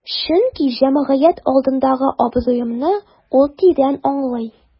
Чөнки җәмгыять алдындагы абруемны ул тирән аңлый.